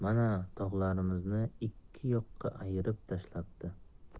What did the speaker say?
yoqqa ayirib tashlabdi